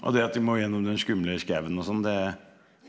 og det at de må gjennom den skumle skauen og sånn det.